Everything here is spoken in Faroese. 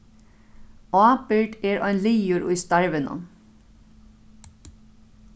ábyrgd er ein liður í starvinum